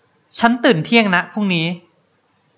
ฉันตื่นเที่ยงนะพรุ่งนี้